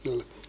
dégg nga